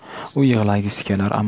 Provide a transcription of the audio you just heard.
u yig'lagisi kelar